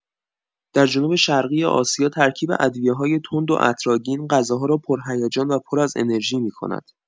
در جنوب‌شرقی آسیا، ترکیب ادویه‌های تند و عطرآگین، غذاها را پرهیجان و پر از انرژی می‌کند.